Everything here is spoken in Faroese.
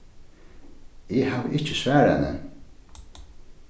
eg havi ikki svarað henni